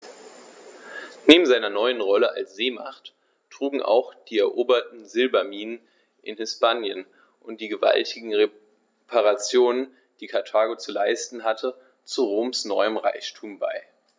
Neben seiner neuen Rolle als Seemacht trugen auch die eroberten Silberminen in Hispanien und die gewaltigen Reparationen, die Karthago zu leisten hatte, zu Roms neuem Reichtum bei.